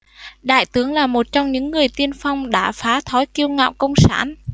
đại tướng là một trong những người tiên phong đả phá thói kiêu ngạo công sản